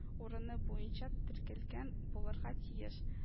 Урыны буенча теркәлгән булырга тиеш